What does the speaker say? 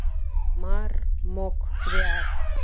мармок виар